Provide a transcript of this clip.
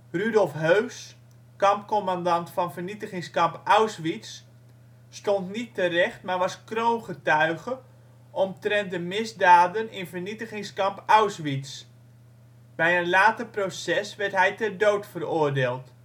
Rudolf Höss (kampcommandant van vernietigingskamp Auschwitz), stond niet terecht, maar was kroongetuige omtrent de misdaden in vernietigingskamp Auschwitz. Bij een later proces werd hij ter dood veroordeeld